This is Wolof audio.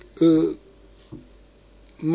am na solo Maodo